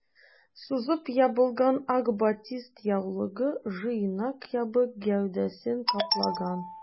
Сузып ябылган ак батист яулыгы җыйнак ябык гәүдәсен каплаган.